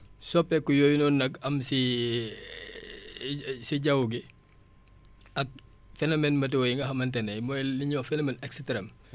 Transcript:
soppeeku yooyu noonu nag am si si jaww gi ak phénomène météo yi nga xamante ne mooy li ñuy wax phénomène extrème